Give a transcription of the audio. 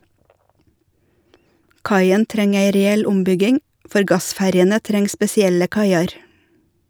Kaien treng ei reell ombygging, for gassferjene treng spesielle kaiar.